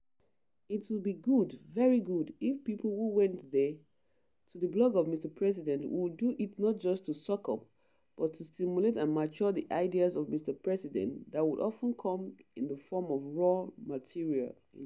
It would be good, very good, if people who went there (to the blog of Mr President) would do it not just to “suck up”, but to stimulate and mature the ideas of Mr President that will often come in the form of “raw material”.